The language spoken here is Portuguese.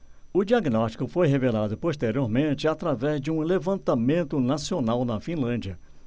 o diagnóstico foi revelado posteriormente através de um levantamento nacional na finlândia